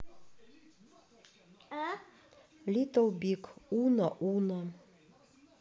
литл биг уно уно